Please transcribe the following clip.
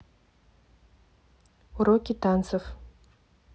уроки танцев